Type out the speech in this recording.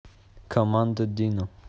команда дина